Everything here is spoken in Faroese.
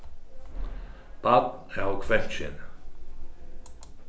barn av kvennkyni